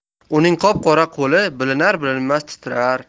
uning qop qora qo'li bilinar bilinmas titrar